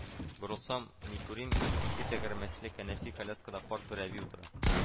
Борылсам, ни күрим, ике тәгәрмәчле кәнәфи-коляскада карт бер әби утыра